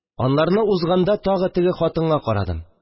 Анларны узганда, тагы теге хатынга карадым